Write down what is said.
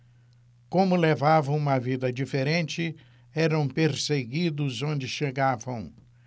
como levavam uma vida diferente eram perseguidos onde chegavam